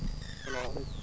salaamaaleykum